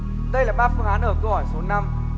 đây là ba phương án ở câu hỏi số năm